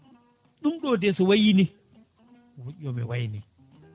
ɗum ɗo nde so wayi ni golɗo mi wayani